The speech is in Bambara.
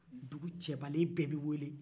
dugu cɛbalen bɛɛ bɛ wele